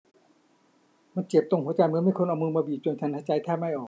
มันเจ็บตรงหัวใจเหมือนมีคนเอามือมาบีบจนฉันหายใจแทบไม่ออก